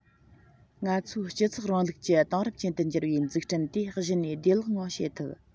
ང ཚོའི སྤྱི ཚོགས རིང ལུགས ཀྱི དེང རབས ཅན དུ འགྱུར བའི འཛུགས སྐྲུན དེ གཞི ནས བདེ བླག ངང བྱེད ཐུབ